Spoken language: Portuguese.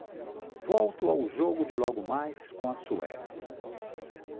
volto ao jogo de logo mais com a suécia